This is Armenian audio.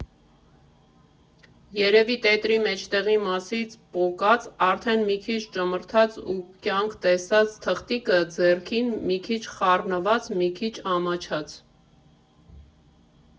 Երևի տետրի մեջտեղի մասից պոկած, արդեն մի քիչ ճմռթված ու կյանք տեսած թղթիկը ձեռքին, մի քիչ խառնված, մի քիչ ամաչած…